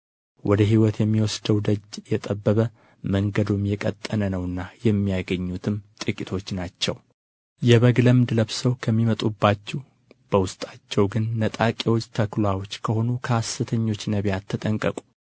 ወደ ሕይወት የሚወስደው ደጅ የጠበበ መንገዱም የቀጠነ ነውና የሚያገኙትም ጥቂቶች ናቸው የበግ ለምድ ለብሰው ከሚመጡባችሁ በውሥጣቸው ግን ነጣቂዎች ተኵላዎች ከሆኑ ከሐሰተኞች ነቢያት ተጠንቀቁ